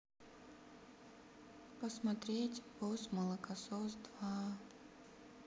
посмотреть босс молокосос два